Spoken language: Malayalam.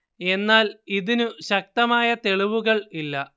എന്നാൽ ഇതിന് ശക്തമായ തെളിവുകൾ ഇല്ല